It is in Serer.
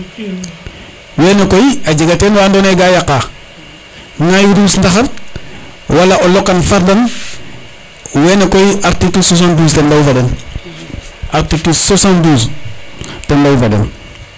wene koy a jega ten wa ando naye ga yaqa ngaay ruus ndaxar wala lokan fardan wene koy articles 72 den leyu fo den article 72 ten leyu fo den